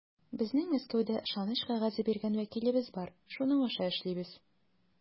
Безнең Мәскәүдә ышаныч кәгазе биргән вәкилебез бар, шуның аша эшлибез.